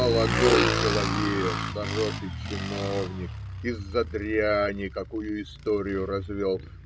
Молодой человек, хороший чиновник, из-за дряни какую историю развел!